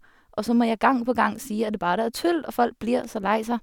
Og så må jeg gang på gang si at det bare er tull, og folk blir så lei seg.